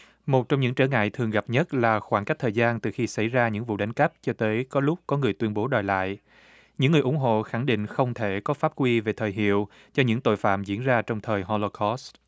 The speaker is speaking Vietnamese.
một trong những trở ngại thường gặp nhất là khoảng cách thời gian từ khi xảy ra những vụ đánh cắp cho tới có lúc có người tuyên bố đòi lại những người ủng hộ khẳng định không thể có pháp quy về thời hiệu cho những tội phạm diễn ra trong thời ho lô cót